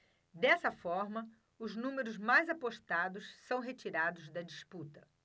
dessa forma os números mais apostados são retirados da disputa